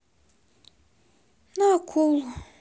на акул